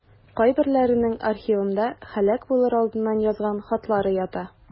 Кайберләренең архивымда һәлак булыр алдыннан язган хатлары ята.